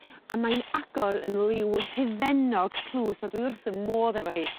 A mae'n agor yn liw hufennog tlws a dwi wrth 'yn modd efo hi.